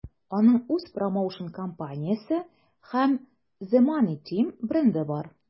Аның үз промоушн-компаниясе һәм The Money Team бренды бар.